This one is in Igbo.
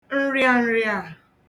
ǹrịàǹrịà